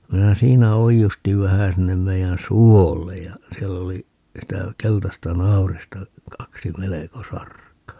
minä siinä oiustin vähän sinne meidän suolle ja siellä oli sitä keltaista naurista kaksi melko sarkaa